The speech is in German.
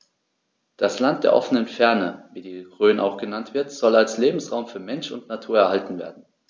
Das „Land der offenen Fernen“, wie die Rhön auch genannt wird, soll als Lebensraum für Mensch und Natur erhalten werden.